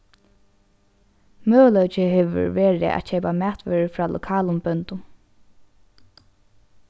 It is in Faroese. møguleiki hevur verið at keypa matvørur frá lokalum bóndum